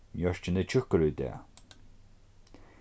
mjørkin er tjúkkur í dag